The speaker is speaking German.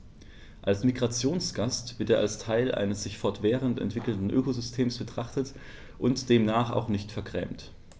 Als Migrationsgast wird er als Teil eines sich fortwährend entwickelnden Ökosystems betrachtet und demnach auch nicht vergrämt.